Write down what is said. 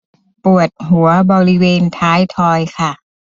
ปวดหัวบริเวณท้ายทอยค่ะ